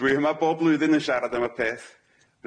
Dwi yma bob blwyddyn yn sharad am y peth.